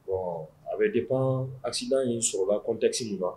Bon a bi dépend accident in sɔrɔ la asi in sɔrɔ la contexte mun na